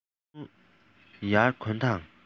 སྟོད འཐུང ཡར གྱོན དང